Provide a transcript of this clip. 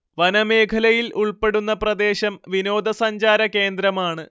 വനമേഖലയിൽ ഉൾപ്പെടുന്ന പ്രദേശം വിനോദസഞ്ചാര കേന്ദ്രമാണ്